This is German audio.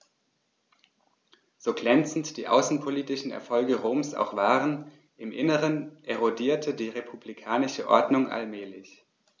So glänzend die außenpolitischen Erfolge Roms auch waren: Im Inneren erodierte die republikanische Ordnung allmählich.